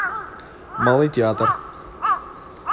малый театр